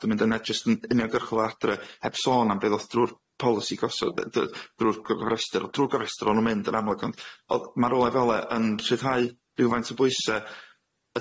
dwi'n mynd yn e- jyst yn uniongyrchol o adre heb sôn am be' ddoth drw'r polisi gosodd yy dy- drw'r gyfrestyr drw'r gyfrestyr o'n nw'n mynd yn amlyg ond o'dd ma' rwle fele yn rhyddhau rywfaint o bwyse.